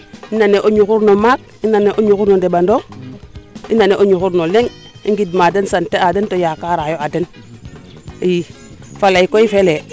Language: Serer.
i nanane o ñuxur maak i nane o ñuxur no neɓanong i nane o ñuxur no leŋ i ngind ma den sant a den to yaakarayo a den i faley koy felee